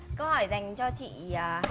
câu hỏi dành cho chị